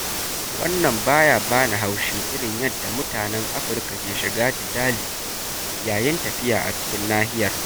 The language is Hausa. Wannan ba ya ba ni haushi irin yadda mutanen Afirka ke shiga jidali yayin tafiya a cikin nahiyar.